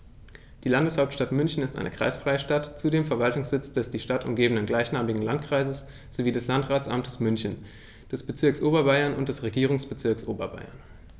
Die Landeshauptstadt München ist eine kreisfreie Stadt, zudem Verwaltungssitz des die Stadt umgebenden gleichnamigen Landkreises sowie des Landratsamtes München, des Bezirks Oberbayern und des Regierungsbezirks Oberbayern.